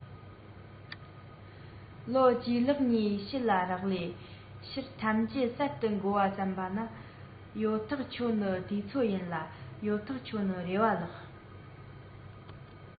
ལོ ཇུས ལེགས ཉེས དཔྱིད ལ རག ལས ཕྱིར ཐམས ཅད གསར དུ འགོ བ བརྩམས པ ན ཡོད ཐག ཆོད ནི དུས ཚོད ཡིན ལ ཡོད ཐག ཆོད ནི རེ བ ལགས